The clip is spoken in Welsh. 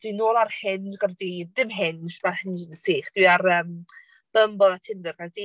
Dwi nôl ar Hinge Gaerdydd. Dim Hinge, ma' Hinge yn sych. Dwi ar yym Bumble a Tinder Caerdydd.